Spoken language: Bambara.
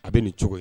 A bɛ nin cogo ye